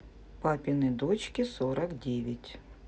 папины дочки сорок девять